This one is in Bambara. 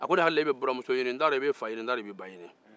a ko ne hakili la e bɛ buranmuso ɲini n ta dɔn e be fa ni ba ɲini